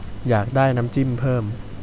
อยากได้น้ำจิ้มเพิ่ม